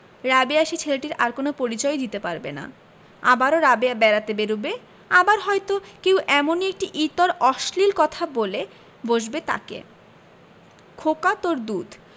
রাবেয়া সেই ছেলেটির আর কোন পরিচয়ই দিতে পারবে না আবারও রাবেয়া বেড়াতে বেরুবে আবার হয়তো কেউ এমনি একটি ইতর অশ্লীল কথা বলে বসবে তাকে খোকা তোর দুধ